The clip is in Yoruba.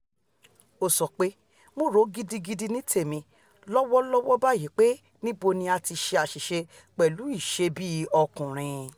Ó sope ̣.'Mo rò gidigidi nítèmi, lọ́wọ́lọ́wọ́ báyìi pé - níbo ni a ti ṣe àṣ̀iṣe pẹ̵̀lú ìṣebí-ọkùnrin?’.